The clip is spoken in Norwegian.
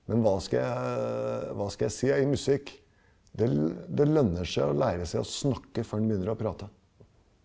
men hva skal jeg hva skal jeg si i musikk det det lønner seg å lære seg å snakke for man begynner å prate.